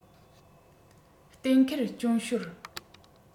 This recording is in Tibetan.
གཏན འཁེལ རྐྱོན ཤོར